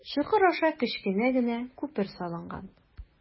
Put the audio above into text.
Чокыр аша кечкенә генә күпер салынган.